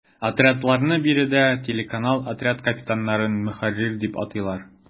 Отрядларны биредә “телеканал”, отряд капитаннарын “ мөхәррир” дип атыйлар.